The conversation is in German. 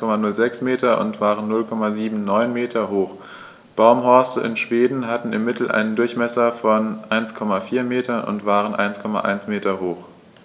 1,06 m und waren 0,79 m hoch, Baumhorste in Schweden hatten im Mittel einen Durchmesser von 1,4 m und waren 1,1 m hoch.